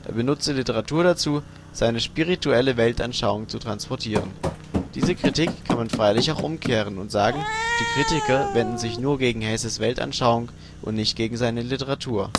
benutze Literatur dazu, seine spirituelle Weltanschauung zu transportieren. Diese Kritik kann man freilich auch umkehren und sagen, die Kritiker wenden sich nur gegen Hesses Weltanschauung und nicht gegen seine Literatur